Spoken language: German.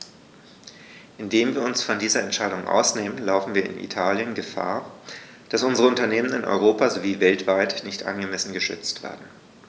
Indem wir uns von dieser Entscheidung ausnehmen, laufen wir in Italien Gefahr, dass unsere Unternehmen in Europa sowie weltweit nicht angemessen geschützt werden.